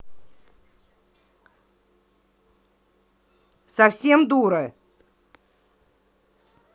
совсем дура